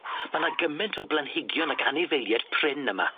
Ma' 'na gyment o blanhigion ac anifeilied prin yma.